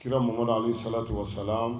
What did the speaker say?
Kiramo ani sacogo sa